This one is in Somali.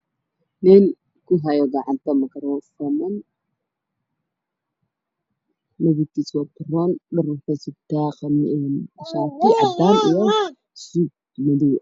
Nin ku haya gacanta makrafoon ka midabkiisu waa iraan wuustaa shaaticadaan iyo midow